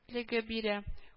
Леге бирә